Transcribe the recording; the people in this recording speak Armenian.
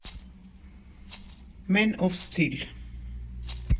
Մեն օֆ Սթիլ։